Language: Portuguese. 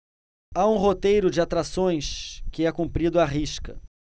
há um roteiro de atrações que é cumprido à risca